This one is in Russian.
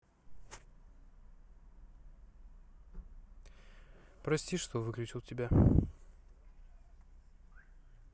прости что выключи тебя